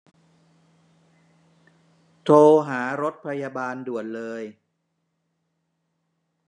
โทรหารถพยาบาลด่วนเลย